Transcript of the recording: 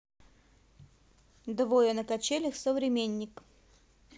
двое на качелях современник